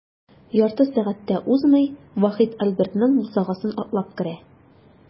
Ярты сәгать тә узмый, Вахит Альбертның бусагасын атлап керә.